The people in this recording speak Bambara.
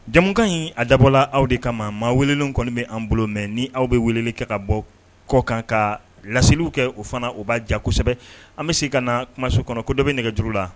Jamukan in a dabɔla aw de kama maa wele kɔni bɛan bolo mɛ ni aw bɛ wele kɛ ka bɔ kɔ kan ka laseliw kɛ u fana u b'a ja kosɛbɛ an bɛ se ka na kumaso kɔnɔ ko dɔ bɛ nɛgɛ juru la